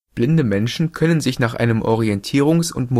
Blinde Menschen können sich nach einem Orientierungs - und